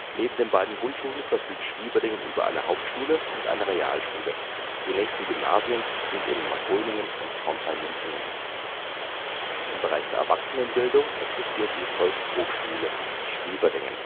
Neben den beiden Grundschulen verfügt Schwieberdingen über eine Hauptschule und eine Realschule. Die nächsten Gymnasien sind in Markgröningen und Korntal-Münchingen. Im Bereich der Erwachsenenbildung existiert die Volkshochschule Schwieberdingen